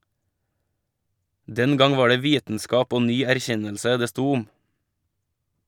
Den gang var det vitenskap og ny erkjennelse det sto om.